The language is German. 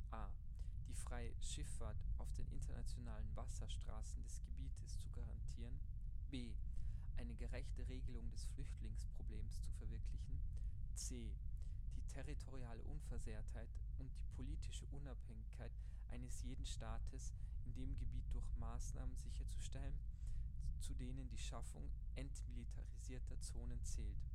a die freie Schiffahrt auf den internationalen Wasserstraßen des Gebietes zu garantieren; b eine gerechte Regelung des Flüchtlingsproblems zu verwirklichen; c die territoriale Unversehrtheit und die politische Unabhängigkeit eines jeden Staates in dem Gebiet durch Maßnahmen sicherzustellen, zu denen die Schaffung entmilitarisierter Zonen zählt